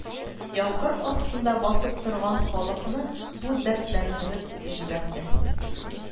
Яңгыр астында басып торган халыкны бу дәртләндереп җибәрде